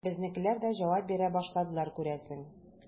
Безнекеләр дә җавап бирә башладылар, күрәсең.